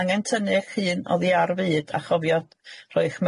Angen tynnu eich hun oddi ar y fud a chofio rhoi eich